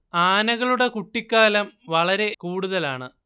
ആനകളുടെ കുട്ടിക്കാലം വളരെ കൂടുതലാണ്